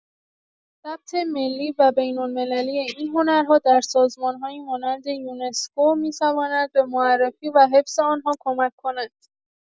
ثبت ملی و بین‌المللی این هنرها در سازمان‌هایی مانند یونسکو می‌تواند به معرفی و حفظ آن‌ها کمک کند.